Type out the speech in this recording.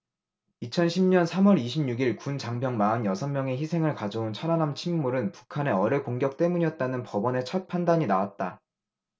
이천 십 년 삼 월 이십 육 일 군 장병 마흔 여섯 명의 희생을 가져온 천안함 침몰은 북한의 어뢰 공격 때문이었다는 법원의 첫 판단이 나왔다